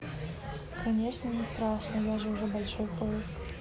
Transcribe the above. конечно не страшно я же уже большой поиск